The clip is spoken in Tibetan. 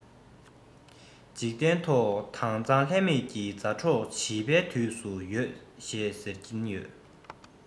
འཇིག རྟེན ཐོག དྭངས གཙང ལྷད མེད ཀྱི མཛའ གྲོགས བྱིས པའི དུས སུ ཡོད ཞེས ཟེར གྱིན ཡོད